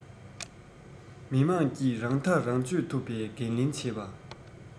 མི དམངས ཀྱིས རང ཐག རང གཅོད ཐུབ པའི འགན ལེན བྱེད པ